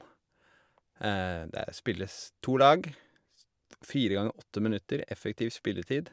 Der spilles to lag, s f fire ganger åtte minutter effektiv spilletid.